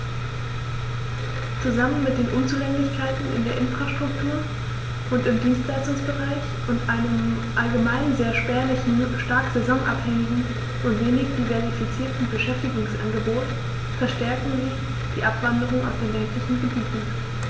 Zusammen mit den Unzulänglichkeiten in der Infrastruktur und im Dienstleistungsbereich und einem allgemein sehr spärlichen, stark saisonabhängigen und wenig diversifizierten Beschäftigungsangebot verstärken sie die Abwanderung aus den ländlichen Gebieten.